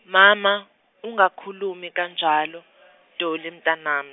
mama ungakhulumi kanjalo, Dolly mntanami.